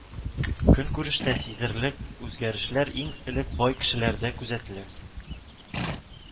Көнкүрештә сизелерлек үзгәрешләр иң элек бай кешеләрдә күзәтелә